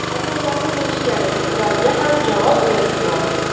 a'yonlari kelishgan edi ularga ham javob berib yubordi